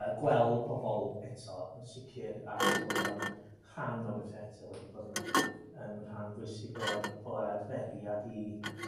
y gweld pobol eto yn sicir a timlo bod o'n rhan o bethe eto wedi fod yn yn rhan bwysig o'r o yr adferiad i